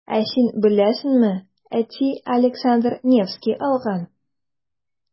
Ә син беләсеңме, әти Александр Невский алган.